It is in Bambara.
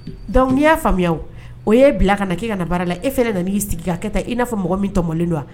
Dɔnkuc n'i y'a faamuya o ye bila ka na kɛ ka na baara la e fɛ nana y'i sigi ka taa i n'a mɔgɔ min tɔmɔlen don wa